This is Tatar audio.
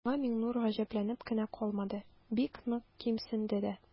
Моңа Миңнур гаҗәпләнеп кенә калмады, бик нык кимсенде дә.